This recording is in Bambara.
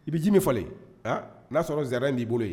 I bɛ jimi fɔ a n'a sɔrɔ zan n b'i bolo yen